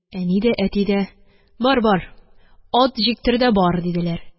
Әни дә, әти дә: – Бар, бар! Ат җиктер дә бар, – диделәр.